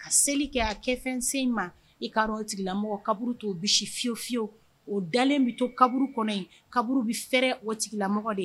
Ka seli kɛ a kɛfɛnsen in ma i ka o tigilamɔgɔ kaburu t'o bisimila fiye fiyewu o dalen bi to kaburu kɔnɔ in kaburu bi fɛrɛ o tigilamɔgɔ de ye